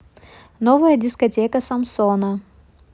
новая дискотека самсона